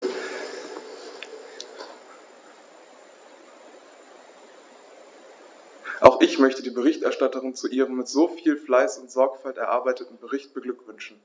Auch ich möchte die Berichterstatterin zu ihrem mit so viel Fleiß und Sorgfalt erarbeiteten Bericht beglückwünschen.